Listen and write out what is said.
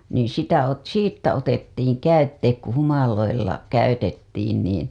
niin sitä - siitä otettiin käytteet kun humaloilla käytettiin niin